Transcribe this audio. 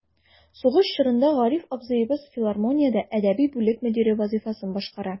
Сугыш чорында Гариф абзыебыз филармониядә әдәби бүлек мөдире вазыйфасын башкара.